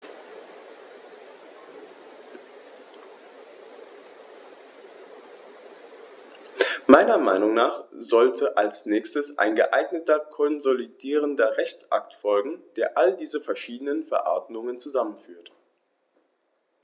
Meiner Meinung nach sollte als nächstes ein geeigneter konsolidierender Rechtsakt folgen, der all diese verschiedenen Verordnungen zusammenführt.